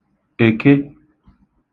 Èke